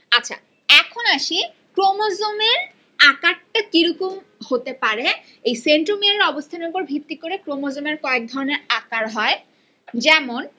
আচ্ছা এখন আসি ক্রোমোজোমের আকার টা কি রকম হতে পারে এই সেন্ট্রোমিয়ারের অবস্থানের উপর ভিত্তি করে ক্রোমোজোমের কয়েক ধরনের আকার হয় যেমন